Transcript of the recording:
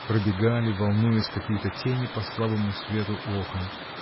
Пробегали, волнуясь, какие-то тени по слабому свету окон.